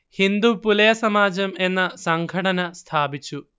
ഹിന്ദു പുലയ സമാജം എന്ന സംഘടന സ്ഥാപിച്ചു